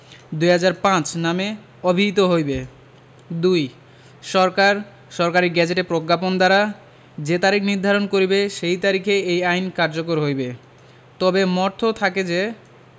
২০০৫ নামে অভিহিত হইবে ২ সরকার সরকারী গেজেটে প্রজ্ঞাপন দ্বারা যে তারিখ নির্ধারণ করিবে সেই তারিখে এই আইন কার্যকর হইবে তবে মর্থ থাকে যে